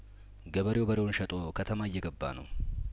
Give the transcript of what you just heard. ገበሬው በሬውን ሽጦ ከተማ እየገባ ነው